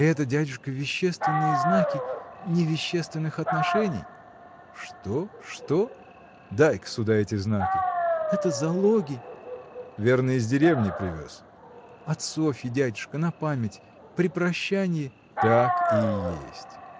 – Это, дядюшка, вещественные знаки. невещественных отношений. – Что? что? дай-ка сюда эти знаки. – Это залоги. – Верно, из деревни привез? – От Софьи, дядюшка, на память. при прощанье. – Так и есть.